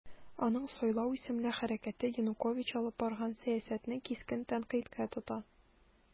Аның "Сайлау" исемле хәрәкәте Янукович алып барган сәясәтне кискен тәнкыйтькә тота.